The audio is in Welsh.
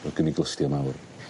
ro'dd gen 'i glustia mawr.